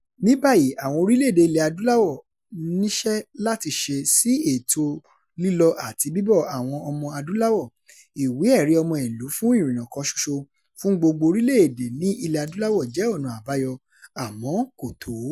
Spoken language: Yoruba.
Níbàyìí, àwọn orílẹ̀-èdè Ilẹ̀-adúláwọ̀ níṣẹ́ láti ṣe sí ètò lílọ-àti-bíbọ̀ àwọn ọmọadúláwọ̀. Ìwé-ẹ̀rí-ọmọìlú-fún-ìrìnnà kan ṣoṣo fún gbogbo orílẹ̀-èdè ní Ilẹ̀-adúláwọ̀ jẹ́ ọ̀nà àbáyọ — àmọ́ kò tó.